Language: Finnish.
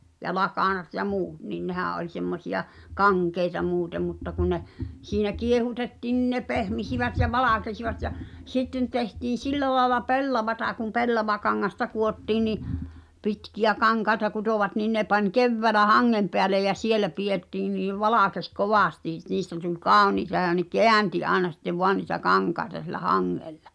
ja lakanat ja muut niin nehän oli semmoisia kankeita muuten mutta kun ne siinä kiehutettiin niin ne pehmisivät ja valkenivat ja sitten tehtiin sillä lailla pellavaa kun pellavakangasta kudottiin niin pitkiä kankaita kutoivat niin ne pani keväällä hangen päälle ja siellä pidettiin niin valkeni kovasti niistä tuli kauniita ja ne käänsi aina sitten vain niitä kankaita sillä hangella